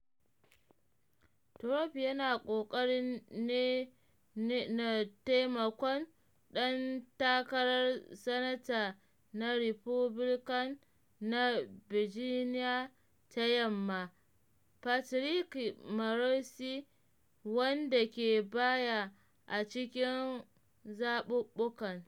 Trump yana ƙoƙari ne na taimakon ɗan takarar Sanata na Republican na Virginia ta Yamma Patrick Morrisey, wanda ke baya a cikin zaɓuɓɓukan.